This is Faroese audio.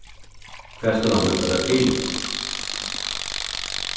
hvat skal hann brúka tað til